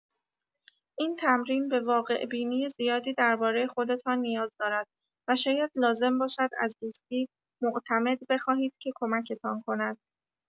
این تمرین به واقع‌بینی زیادی درباره خودتان نیاز دارد و شاید لازم باشد از دوستی معتمد بخواهید که کمکتان کند.